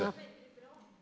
det er veldig bra.